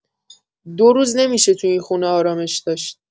دو روز نمی‌شه تو این خونه ارامش داشت؟